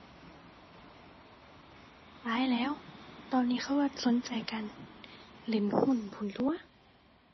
หลายแหล้ว ตอนนี้เขาว่าสนใจกันเล่นหุ้นพู้นตั่ว